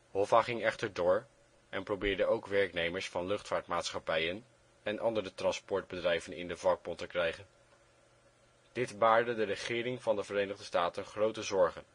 Hoffa ging echter door en probeerde ook werknemers van luchtvaartmaatschappijen en andere transportbedrijven in de vakbond te krijgen. Dit baarde de regering van de Verenigde Staten grote zorgen